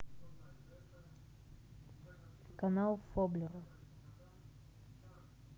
канал воблера